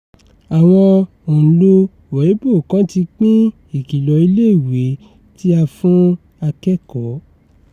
Àwọn òǹlo Weibo kan ti pín ìkìlọ̀ ilé-ìwé ti a fún akẹ́kọ̀ọ́.